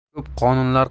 ko'p qonunlar